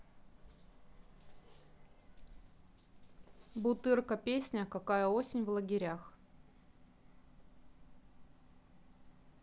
бутырка песня какая осень в лагерях